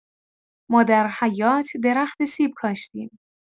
ما در حیاط درخت سیب کاشتیم.